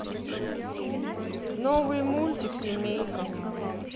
новый мультик семейка